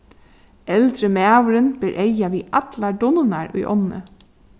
eldri maðurin ber eyga við allar dunnurnar í ánni